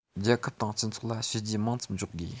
རྒྱལ ཁབ དང སྤྱི ཚོགས ལ བྱས རྗེས མང ཙམ འཇོག དགོས